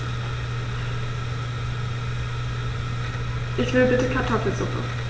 Ich will bitte Kartoffelsuppe.